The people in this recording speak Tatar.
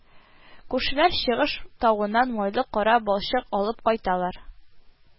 Күршеләр Чыгыш тавыннан майлы кара балчык алып кайталар